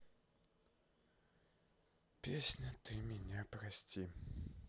песня ты меня прости